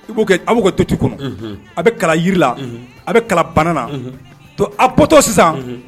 I' abu kɛ to tu kɔnɔ a bɛ kala jirila a bɛ kala bannaana to aptɔ sisan